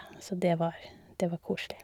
Så det var det var koselig.